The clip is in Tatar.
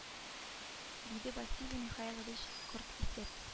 Диде василий михайлович кырт кисеп